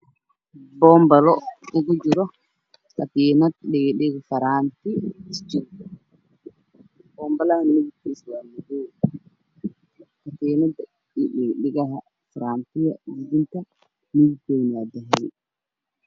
Pambale ay ku jiraan tagdhogo farantii jiidin oo hambalaha ka dharkiisu waa caddaan wuxuuna saaran yahay miis madow ah